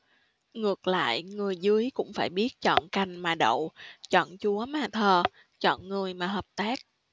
ngược lại người dưới cũng phải biết chọn cành mà đậu chọn chúa mà thờ chọn người mà hợp tác